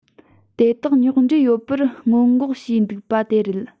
དེ དག ཉོག འདྲེས ཡོང བར སྔོན འགོག བྱས འདུག པ དེ རེད